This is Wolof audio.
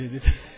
déedéet